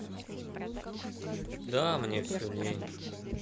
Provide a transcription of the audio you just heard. день мне все лень